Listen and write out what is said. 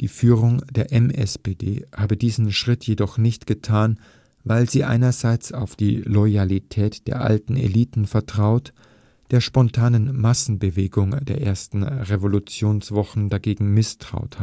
Die Führung der MSPD habe diesen Schritt jedoch nicht getan, weil sie einerseits auf die Loyalität der alten Eliten vertraut, der spontanen Massenbewegung der ersten Revolutionswochen dagegen misstraut